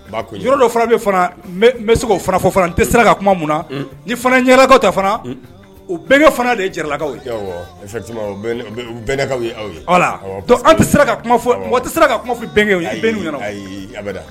Yɔrɔ dɔ fana bɛ fana bɛ se o fana fana tɛ sera ka kuma min na ni fana ɲɛnakaw ta fana u bɛnkɛ fana de ye jalalakawkaw an tɛ ka kuma tɛ ka kuma fɔ bɛnkɛ a bɛ